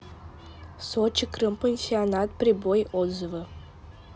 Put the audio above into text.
сочи крым пансионат прибой отзывы